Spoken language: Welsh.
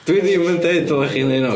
Dwi ddim yn deud dylech chi neud o...